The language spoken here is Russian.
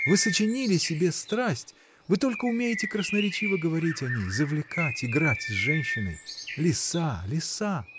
Вы сочинили себе страсть, вы только умеете красноречиво говорить о ней, завлекать, играть с женщиной! Лиса, лиса!